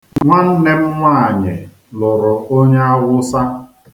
Nwanne m nwaanyị lụrụ onye Awụsa.